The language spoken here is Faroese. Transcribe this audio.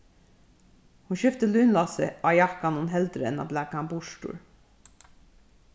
hon skifti lynlásið á jakkanum heldur enn at blaka hann burtur